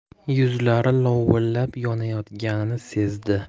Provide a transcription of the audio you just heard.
yuzlari lovillab yonayotganini sezdi